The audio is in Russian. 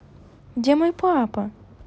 где мой папа